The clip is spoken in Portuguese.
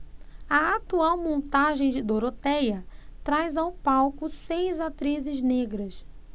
a atual montagem de dorotéia traz ao palco seis atrizes negras